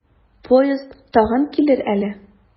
Поезд тагын килер әле.